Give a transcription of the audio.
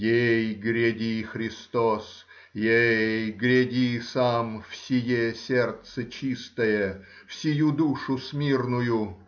Ей, гряди, Христос, ей, гряди сам в сие сердце чистое, в сию душу смирную